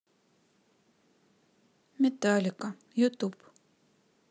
металлика ютуб